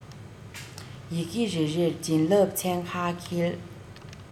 ཡི གེ རེ རེར བྱིན རླབས ཚན ཁ འཁྱིལ